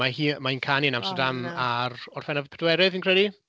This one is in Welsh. Mae hi yy... mae'n canu yn Amsterdam... o na. ...ar Orffennaf y pedwerydd fi'n credu.